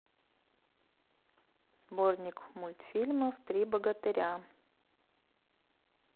сборник мультфильмов три богатыря